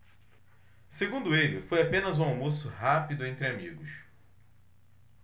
segundo ele foi apenas um almoço rápido entre amigos